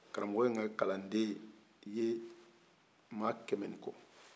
karamɔgo in ka kalanden ye maa kɛmɛ ni kɔ